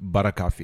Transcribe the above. Baara k'a fɛ yen